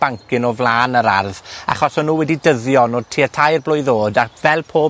bancyn o flan yr ardd, achos o'n nw wedi dyddio, o' nw tua tair blwydd o'd, a, fel pob